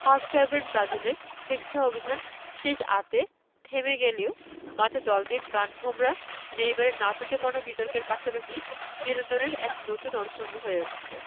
hot favourite ব্রাজিলের hexa অভিযান শেষ আটে থেমে গেলেও মাঠে দলটির প্রাণভোমরা নেইমারের নাটুকেপনা বিতর্কের পাশাপাশি বিনোদনের এক নতুন অনুষঙ্গ হয়ে উঠেছে